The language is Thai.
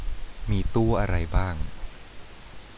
มีตู้อะไรบ้าง